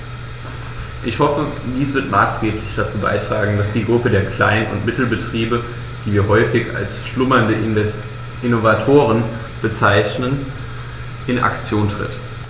Ich hoffe, dies wird maßgeblich dazu beitragen, dass die Gruppe der Klein- und Mittelbetriebe, die wir häufig als "schlummernde Innovatoren" bezeichnen, in Aktion tritt.